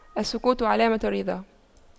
السكوت علامة الرضا